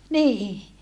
niin